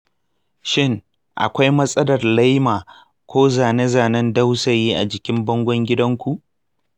shin akwai matsalar laima ko zane-zanen dausayi a jikin bangon gidanku?